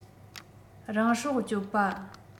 རང སྲོག གཅོད པ